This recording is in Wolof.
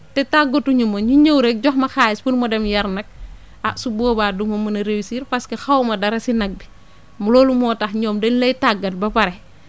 te tàggatuñu ma ñu ñëw rek jox ma xaalis pour ma dem yar nag ah su boobaa du ma mën a réussir parce que xaw ma dara si nag bi mu loolu moo tax ñoom dañ lay tàggat ba pare